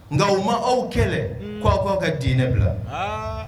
Nka u ma aw kɛlɛ k' awaw k'aw ka dinɛ bila